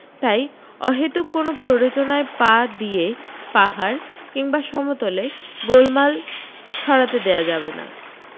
তাই অহেতুক কোনও প্ররোচনায় পা দিয়ে পাহাড় কিংবা সমতলে গোলমাল ছড়াতে দেওয়া যাবে না